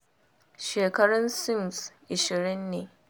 Shekarun Sims 20 ne.